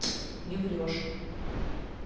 не врешь